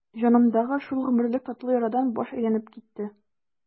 Җанымдагы шул гомерлек татлы ярадан баш әйләнеп китте.